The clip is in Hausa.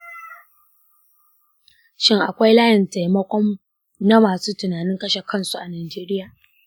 shin akwai layin taimako na masu tunanin kashe kan su a najeriya?